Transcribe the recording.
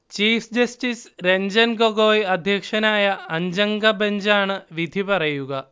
chief justice Ranjan‍ Gogoi അധ്യക്ഷനായ അഞ്ചംഗ ബഞ്ചാണ് വിധിപറയുക